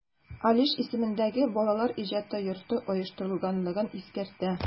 Алиш исемендәге Балалар иҗаты йорты оештырганлыгын искәртә.